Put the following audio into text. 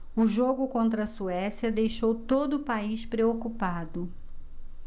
o jogo contra a suécia deixou todo o país preocupado